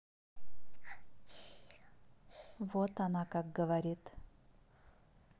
вот она как говорит